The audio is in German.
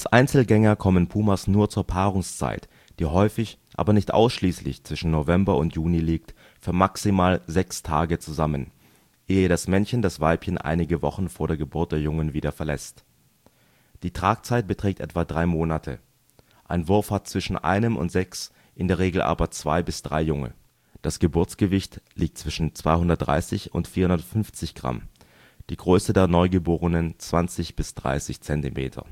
Einzelgänger kommen Pumas nur zur Paarungszeit, die häufig, aber nicht ausschließlich zwischen November und Juni liegt, für maximal sechs Tage zusammen, ehe das Männchen das Weibchen einige Wochen vor der Geburt der Jungen wieder verlässt. Die Tragzeit beträgt etwa drei Monate. Ein Wurf hat zwischen einem und sechs, in der Regel aber zwei bis drei Junge. Das Geburtsgewicht liegt zwischen 230 und 450 Gramm, die Größe der Neugeborenen 20 bis 30 cm